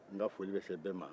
n ka foli bɛ se bɛɛ ma